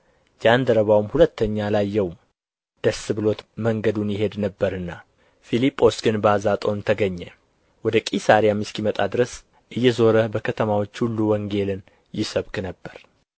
ጃንደረባውም ሁለተኛ አላየውም ደስ ብሎት መንገዱን ይሄድ ነበርና ፊልጶስ ግን በአዛጦን ተገኘ ወደ ቂሣርያም እስኪመጣ ድረስ እየዞረ በከተማዎች ሁሉ ወንጌልን ይሰብክ ነበር